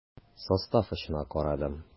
Состав очына карадым.